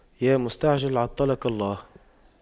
يا مستعجل عطلك الله